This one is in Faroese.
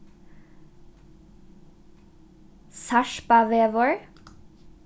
sarpavegur